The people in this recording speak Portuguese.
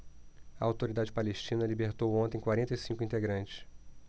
a autoridade palestina libertou ontem quarenta e cinco integrantes